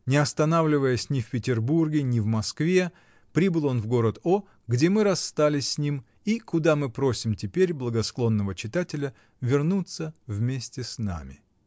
Не останавливаясь ни в Петербурге, ни в Москве, прибыл он в город О. , где мы расстались с ним и куда мы просим теперь благосклонного читателя вернуться вместе с нами.